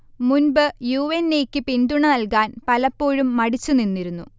മുൻപ് U. N. A. യ്ക്ക് പിന്തുണ നൽകാൻ പലപ്പോഴും മടിച്ച് നിന്നിരുന്നു